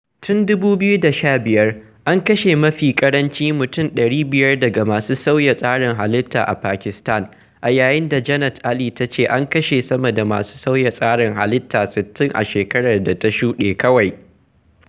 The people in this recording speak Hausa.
Tun 2015, an kashe mafi ƙaranci mutum 500 daga masu sauya tsarin halitta a Pakistan, a yayin da Jannat Ali ta ce an kashe sama da masu sauya tsarin halitta 60 a shekarar da ta shuɗe kawai.